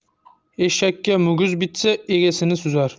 eshakka muguz bitsa egasini suzar